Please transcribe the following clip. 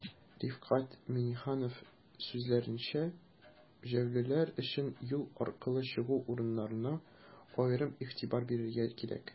Рифкать Миңнеханов сүзләренчә, җәяүлеләр өчен юл аркылы чыгу урыннарына аерым игътибар бирергә кирәк.